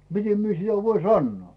miten minä sitä voin sanoa